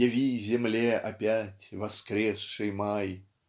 Яви земле опять воскресший май.